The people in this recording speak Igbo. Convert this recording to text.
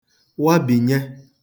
wabìnye